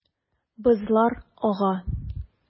Бозлар ага.